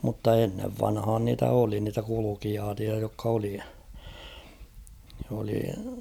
mutta ennen vanhaan niitä oli niitä kulkijoita jotka oli oli